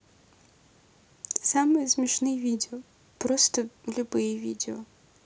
самые смешные видео просто любые видео